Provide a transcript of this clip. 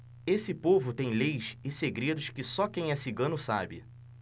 esse povo tem leis e segredos que só quem é cigano sabe